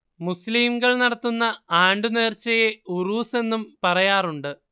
മുസ്ലിംകൾ നടത്തുന്ന ആണ്ട് നേർച്ചയെ ഉറൂസ് എന്നും പറയാറുണ്ട്